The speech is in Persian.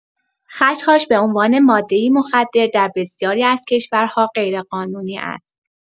خشخاش به عنوان ماده‌ای مخدر در بسیاری از کشورها غیرقانونی است.